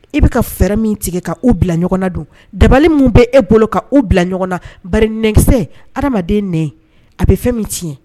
I bɛ ka fɛ min tigɛ ka u bila ɲɔgɔn na don dabali min bɛ e bolo ka uu bila ɲɔgɔn na ba nɛgɛkisɛsɛden n a bɛ fɛn min tiɲɛ ye